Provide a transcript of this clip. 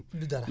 du dara